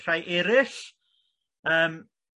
rhai erill yym